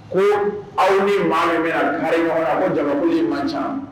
Ko aw ni maa min bɛ a kuma ɲɔgɔn ko jamakun' man ca